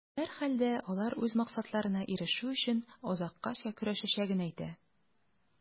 Һәрхәлдә, алар үз максатларына ирешү өчен, азаккача көрәшәчәген әйтә.